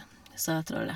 , sa trollet.